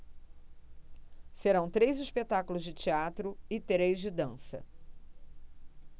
serão três espetáculos de teatro e três de dança